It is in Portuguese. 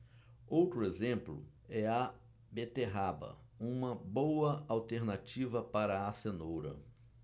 outro exemplo é a beterraba uma boa alternativa para a cenoura